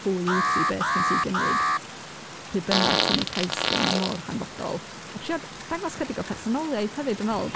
Pwy wyt ti? Be sgen ti i gynnig? Pryd bynnag ti'n wneud cais 'lly, mae mor hanfodol. A tria dangos ychydig o personoliaeth hefyd dwi'n meddwl!